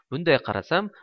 bunday qarasam